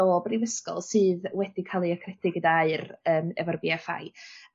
o brifysgol sydd wedi cael eu achredu gydai'r yym efo'r Bee Eff I.